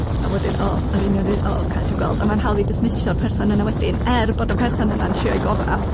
A wedyn, "O yr union 'di... o ocê, dwi'n gweld." A mae'n hawdd i dismisio'r person yna wedyn, er bod y person yna'n trio'i gorau...